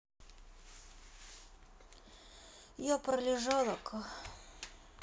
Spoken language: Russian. я пролежала ка